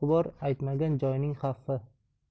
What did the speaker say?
bor aytmagan joyning xavfi